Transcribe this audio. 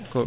ko